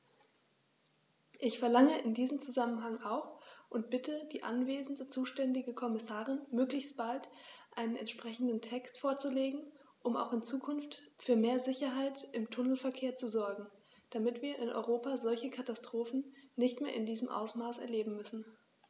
Ich verlange in diesem Zusammenhang auch und bitte die anwesende zuständige Kommissarin, möglichst bald einen entsprechenden Text vorzulegen, um auch in Zukunft für mehr Sicherheit im Tunnelverkehr zu sorgen, damit wir in Europa solche Katastrophen nicht mehr in diesem Ausmaß erleben müssen!